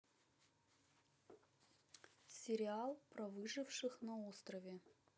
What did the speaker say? сериал про выживших на острове